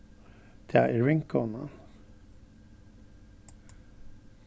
tað er vinkonan